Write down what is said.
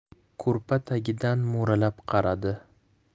ko'rpa tagidan mo'ralab qaradi